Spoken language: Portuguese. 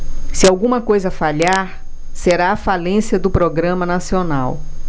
se alguma coisa falhar será a falência do programa nacional